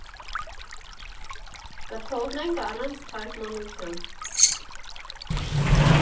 Կթողնենք առանց թարգմանության։